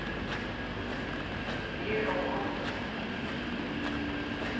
tað er ov óstøðugt